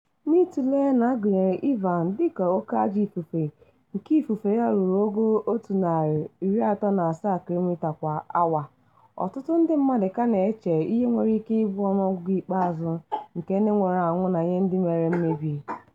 N'itule na a gụnyere Ivan dịka oke ajọ ifufe nke ifufe ya rụrụ ogo 137 km/h, ọtụtụ ndị mmadụ ka na-eche ihe nwere ike ịbụ ọnụ ọgụgụ ikpeazụ nke ndị nwụrụ anwụ na ihe ndị mere mmebi.